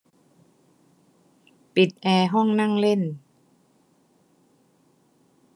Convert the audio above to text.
ปิดแอร์ห้องนั่งเล่น